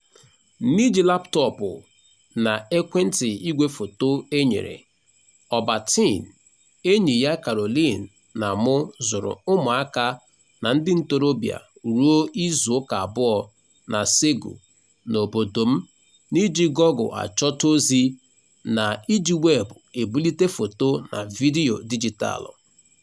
N'iji laptọọpụ na ekwentị igwefoto e nyere, Albertine, enyi ya Caroline na mụ zụrụ ụmụaka na ndị ntorobịa ruo izuụka abụọ na Ségou na obodo m n'iji Google achọta ozi, na iji Weebụ ebulite foto na vidiyo dijitaalụ.